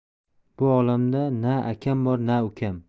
bu olamda na akam bor na ukam